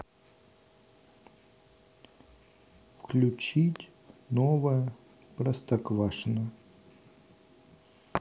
включить новое простоквашино